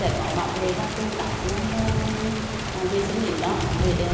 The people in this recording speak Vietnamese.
sẽ có bảo vệ và cùng các quan lang làm vệ sinh đến đó để